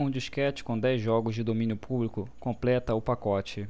um disquete com dez jogos de domínio público completa o pacote